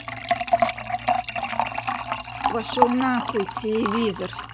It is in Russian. пошел на хуй телевизор